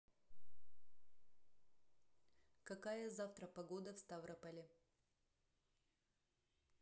какая завтра погода в ставрополе